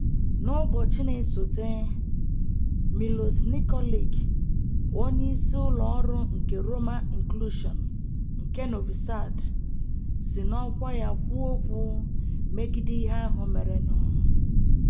N'ụbọchị esote, Miloš Nikolić, Onyeisi Ụlọọrụ nke Roma Inclusion nke Novi Sad, si n'ọkwa ya kwuo okwu megide ihe ahụ merenụ.